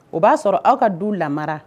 O b'a sɔrɔ aw ka du lamara